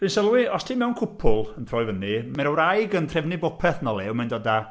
Dwi'n sylwi, os ti mewn cwpwl yn troi fyny, mae'r wraig yn trefnu bopeth yn o lew, mae'n dod a...